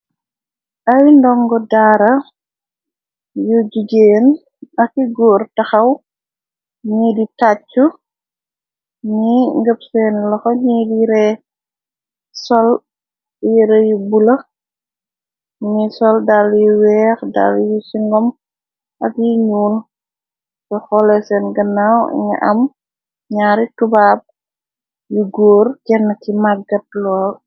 Ay ndongo daara yu jigeen ak yu góor taxaw , ni di tàccu, ni ngëb seen laxo, ni yire , sol yire yu bulo, ni sol dal yu weex dal yu si ngom ak yi ñuul, bu xole seen gannaw, ni am ñaari tubaab yu góor kenn ki maggat lool.